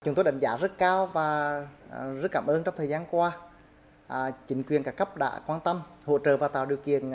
chúng tôi đánh giá rất cao và rất cảm ơn trong thời gian qua chính quyền các cấp đã quan tâm hỗ trợ và tạo điều kiện